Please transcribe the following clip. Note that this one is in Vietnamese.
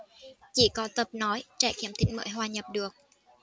chỉ có tập nói trẻ khiếm thính mới hòa nhập được